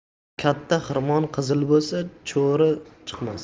katta xirmon qizil bo'lsa chori chiqmas